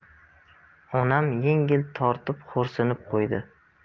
onam yengil tortib xo'rsinib qo'ydi